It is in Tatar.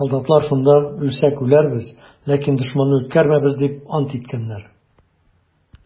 Солдатлар шунда: «Үлсәк үләрбез, ләкин дошманны үткәрмәбез!» - дип ант иткәннәр.